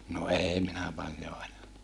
no ei minä paljon ajanut